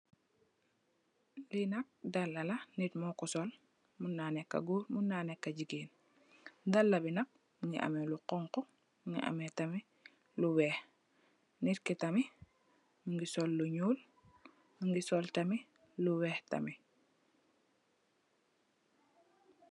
Li nak dalla nit moko sol mun na nekka gór mun na nekka jigeen. Dalla bi nak mugii ameh lu xonxu mugii ameh tamit lu wèèx. Nit ki tamit mugii sol lu ñuul mugii sol tamit lu wèèx tamit.